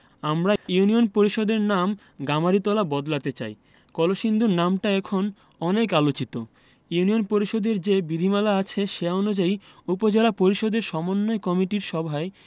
আমরা ইউনিয়ন পরিষদের নাম গামারিতলা বদলাতে চাই কলসিন্দুর নামটা এখন অনেক আলোচিত ইউনিয়ন পরিষদের যে বিধিমালা আছে সে অনুযায়ী উপজেলা পরিষদের সমন্বয় কমিটির সভায়